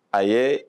A yee